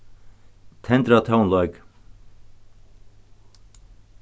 tendra tónleik